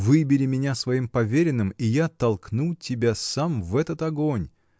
Выбери меня своим поверенным — и я толкну тебя сам в этот огонь.